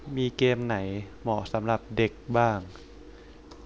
เกมไหนเหมาะสำหรับเด็กบ้าง